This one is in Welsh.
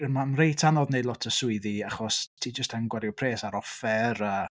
Mae'n reit anodd wneud lot o swyddi achos ti jyst angen gwario pres ar offer a...